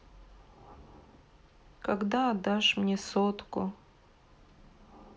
когда отдашь мне сотку